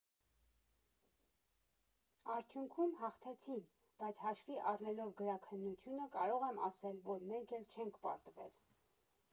Արդյունքում՝ հաղթեցին, բայց հաշվի առնելով գրաքննությունը՝ կարող եմ ասել, որ մենք էլ չենք պարտվել…